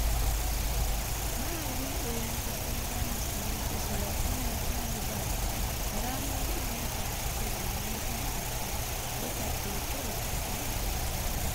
Michael Vann, mai shekaru 72, ya ce ayyukan kakansa "wani abu da na san cewa ba zan taba iya zama ba sai dai wani abu da yake da tawali'u."